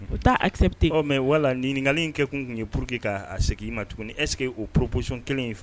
O taa hakɛsɛpte aw mɛn wala nika in kɛ kun tun ye pur que k'a segin ma tuguni ɛsseke oo poroposɔnon kelen in fɛ